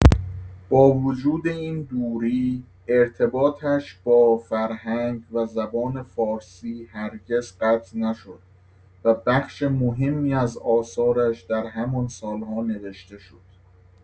با وجود این دوری، ارتباطش با فرهنگ و زبان فارسی هرگز قطع نشد و بخش مهمی از آثارش در همان سال‌ها نوشته شد.